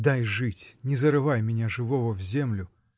дай жить, не зарывай меня живого в землю!.